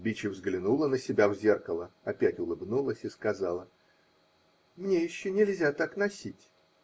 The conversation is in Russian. Биче взглянула на себя в зеркало, опять улыбнулась и сказала: -- Мне еще нельзя так носить.